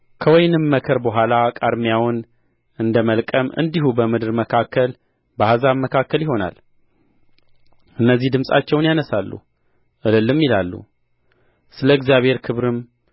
ከወይንም መከር በኋላ ቃርሚያውን እንደ መልቀም እንዲሁ በምድር መካከል በአሕዛብም መካከል ይሆናል እነዚህ ድምፃቸውን ያነሣሉ እልልም ይላሉ ስለ እግዚአብሔር ክብርም